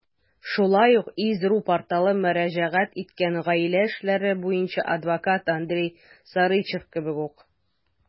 Шулай ук iz.ru порталы мөрәҗәгать иткән гаилә эшләре буенча адвокат Андрей Сарычев кебек үк.